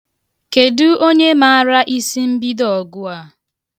Kedu onye mara isimbido ọgụ a?